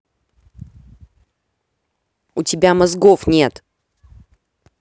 у тебя мозгов нет